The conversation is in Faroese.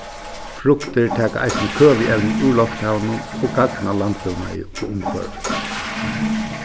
fruktir taka eisini køvievni úr lofthavinum og gagna landbúnaði og umhvørvi